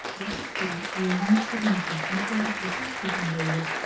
Басып кара, аягыңны кырмасын, йомшаграк булса, тагын да әйбәт.